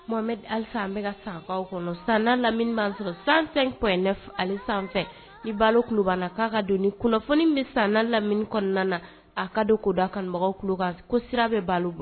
San kɔnɔ san lamini sɔrɔ san i baloba k'a ka don ni kunnafoni bɛ san lamini kɔnɔna na a ka don koda kanubagawkan ko sira bɛ balo